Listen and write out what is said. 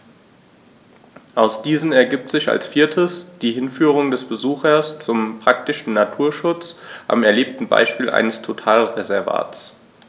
Aus diesen ergibt sich als viertes die Hinführung des Besuchers zum praktischen Naturschutz am erlebten Beispiel eines Totalreservats.